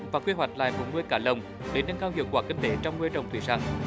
và quy hoạch lại vùng nuôi cá lồng để nâng cao hiệu quả kinh tế trong nuôi trồng thủy sản